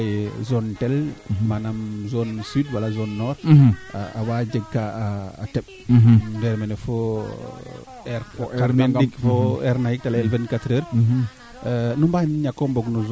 est ce que manaam nan nen keene aussi ñako comprendre meteo fee aussi tax ee mbine saqoona andonaye ten saqu meteo wala comme projet ke nan nena projet